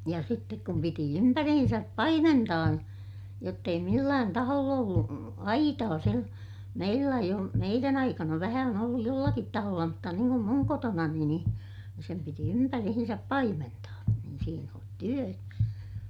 ja sitten kun piti ympäriinsä paimentaa jotta ei millään taholla ollut aitaa - meillä ei - meidän aikana vähän on ollut jollakin taholla mutta niin kuin minun kotonani niin sen piti ympäriinsä paimentaa niin siinä on työ